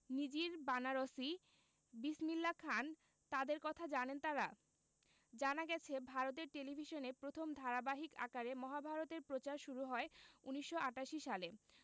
নিজির বানারসি বিসমিল্লা খান তাঁদের কথা জানেন তাঁরা জানা গেছে ভারতের টেলিভিশনে প্রথম ধারাবাহিক আকারে মহাভারত এর প্রচার শুরু হয় ১৯৮৮ সালে